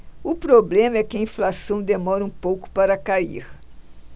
o problema é que a inflação demora um pouco para cair